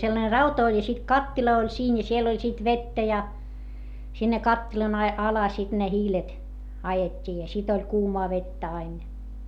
sellainen rauta oli ja sitten kattila oli siinä ja siellä oli sitten vettä ja sinne kattilan - alle sitten ne hiilet ajettiin ja sitten oli kuumaa vettä aina ja